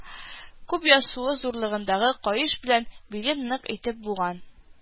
Кул яссуы зурлыгындагы каеш белән билен нык итеп буган